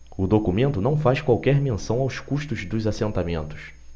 o documento não faz qualquer menção aos custos dos assentamentos